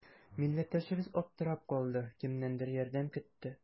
Милләттәшебез аптырап калды, кемнәндер ярдәм көтте.